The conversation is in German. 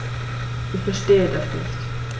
Ich verstehe das nicht.